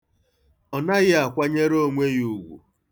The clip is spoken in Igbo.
Ọ naghị akwanyere onwe ya ugwu.